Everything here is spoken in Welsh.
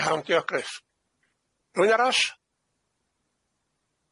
Iawn diolch Gruff. Rwy'n arall?